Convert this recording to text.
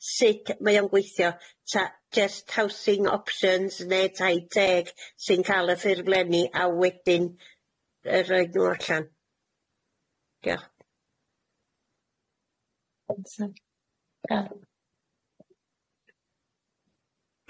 sud mae o'n gweithio 'ta jyst Housing Options ne' tai teg sy'n ca'l y ffurflenni a wedyn yy roid n'w allan.